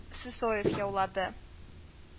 Сысоев яулады